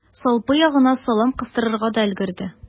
Салпы ягына салам кыстырырга да өлгерде.